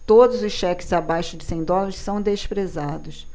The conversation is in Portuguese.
todos os cheques abaixo de cem dólares são desprezados